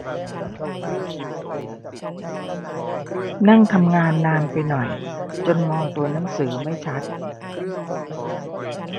นั่งทำงานนานไปหน่อยจนมองตัวหนังสือไม่ชัด